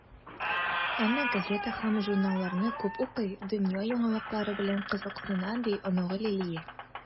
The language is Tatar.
Әмма газета һәм журналларны күп укый, дөнья яңалыклары белән кызыксына, - ди оныгы Лилия.